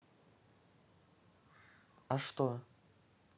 а что